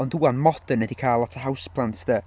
ond 'ŵan modern ydy cael lot o houseplants de?